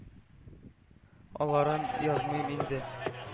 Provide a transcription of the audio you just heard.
Аларын язмыйм инде